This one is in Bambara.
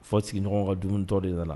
Fɔ sigiɲɔgɔn ka dumunitɔ de yɛrɛ la